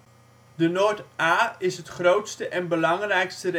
De Noord AA is het grootste en belangrijkste recreatiegebied